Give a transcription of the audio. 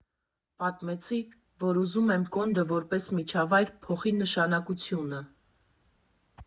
Պատմեցի, որ ուզում եմ Կոնդը, որպես միջավայր, փոխի նշանակությունը։